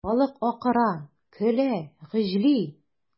Халык акыра, көлә, гөжли.